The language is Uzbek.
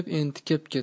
entikib ketdi